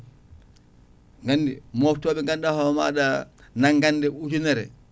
gandi moftoɓe ɓe ganduɗa hoore maɗa nanggande ujunere